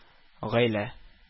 Гаилә